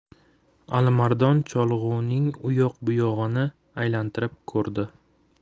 alimardon cholg'uning u yoq bu yog'ini aylantirib ko'rdi